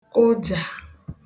kụjà